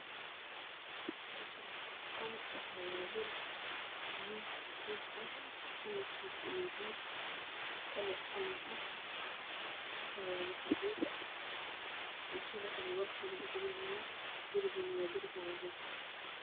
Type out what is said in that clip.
Meshaane waa qol waxa yaalo miis xafisa ah kalrkiisu yahay kalar qalin ah wax yaalo kubiyutar cagar ah iyo shabaq bugaagat laku ridaayo darbigu waa darbi cadaan ah